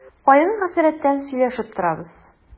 Кайгы-хәсрәттән сөйләшеп торабыз.